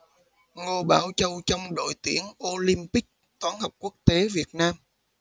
ngô bảo châu trong đội tuyển olympic toán học quốc tế việt nam